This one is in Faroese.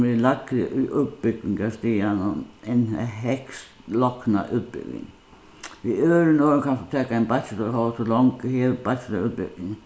sum er lægri í útbúgvingarstiganum enn hægst lokna útbúgving við øðrum orðum kanst tú taka ein bachelor hóast tú longu hevur bachelorútbúgving